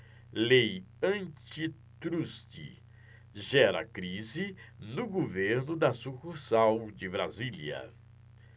lei antitruste gera crise no governo da sucursal de brasília